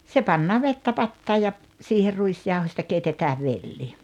se pannaan vettä pataan ja siihen ruisjauhosta keitetään velli